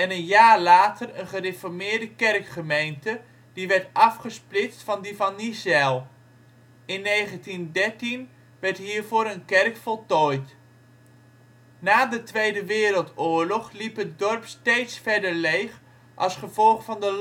jaar later een gereformeerde kerkgemeente, die werd afgesplitst van die van Niezijl. In 1913 werd hiervoor een kerk voltooid. Na de Tweede Wereldoorlog liep het dorp steeds verder leeg als gevolg van de